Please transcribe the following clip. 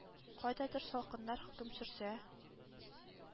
Кайдадыр салкыннар хөкем сөрсә,